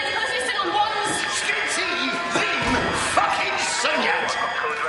Medical assisting on one...Sgin ti ddim ffycin syniad!